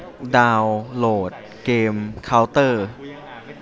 ดาวโหลดเกมเค้าเตอร์